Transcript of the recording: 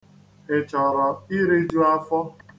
Ị chọrọ iriju afọ?